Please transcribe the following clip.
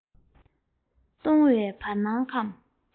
སྟོང བའི བར སྣང ཁམས